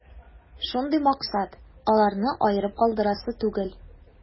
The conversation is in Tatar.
Шундый максат: аларны аерып калдырасы түгел.